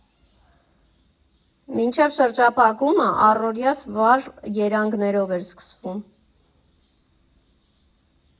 Մինչև շրջափակումը առօրյաս վառ երանգներով էր սկսվում։